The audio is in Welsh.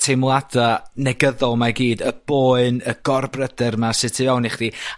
teimlada negyddol 'ma i gyd, y boen, y gorbryder 'ma sy tu fewn i chdi